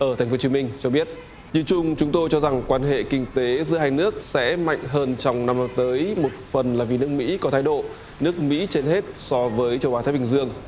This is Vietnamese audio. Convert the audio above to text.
ở thành phố hồ chí minh cho biết nhìn chung chúng tôi cho rằng quan hệ kinh tế giữa hai nước sẽ mạnh hơn trong năm năm tới một phần là vì nước mỹ có thái độ nước mỹ trên hết so với châu á thái bình dương